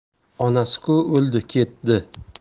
onasi ku o'ldi ketdi